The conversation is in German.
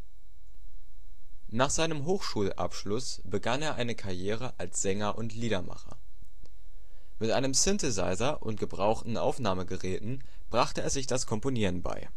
Nach seinem Hochschulabschluss begann er eine Karriere als Sänger und Liedermacher. Mit einem Synthesizer und gebrauchten Aufnahmegeräten brachte er sich das Komponieren bei